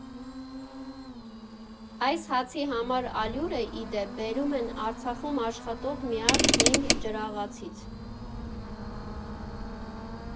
Այս հացի համար ալյուրը, ի դեպ, բերում են Արցախում աշխատող միակ հին ջրաղացից։